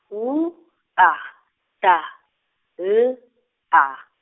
W, A, D, L, A.